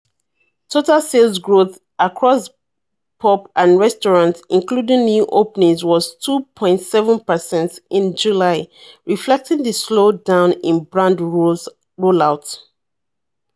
Total sales growth across pub and restaurants, including new openings, was 2.7 per cent in July, reflecting the slow down in brand roll-outs.